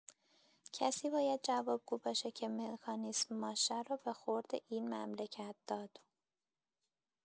کسی باید جواب‌گو باشه که مکانیسم ماشه رو به خورد این مملکت داد